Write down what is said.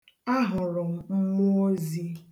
A hụrụ m mmụọozi